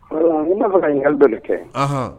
Ɔ n mana fana ɲili dɔ kɛ